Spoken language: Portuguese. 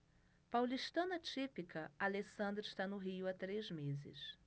paulistana típica alessandra está no rio há três meses